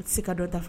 U tɛ se ka dɔ ta